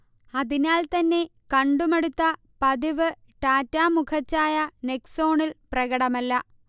അതിനാൽതന്നെ കണ്ടുമടുത്ത പതിവ് ടാറ്റ മുഖഛായ നെക്സോണിൽ പ്രകടമല്ല